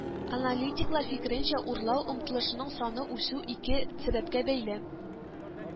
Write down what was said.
Аналитиклар фикеренчә, урлау омтылышының саны үсү ике сәбәпкә бәйле